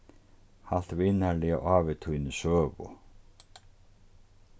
halt vinarliga á við tíni søgu